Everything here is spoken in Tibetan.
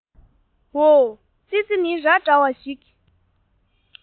འོ ཙི ཙི ནི ར འདྲ བ ཞིག